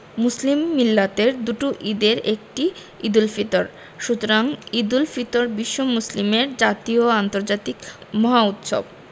মুসলিম মিল্লাতের দুটি ঈদের একটি ঈদুল ফিতর সুতরাং ঈদুল ফিতর বিশ্ব মুসলিমের জাতীয় ও আন্তর্জাতিক মহা উৎসব